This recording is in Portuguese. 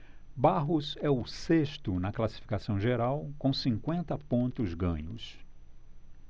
barros é o sexto na classificação geral com cinquenta pontos ganhos